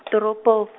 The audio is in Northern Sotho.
toropong.